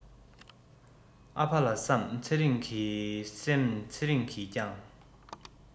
ཨ ཕ ལ བསམ ཚེ རང གི སེམས ཚེ རིང གིས ཀྱང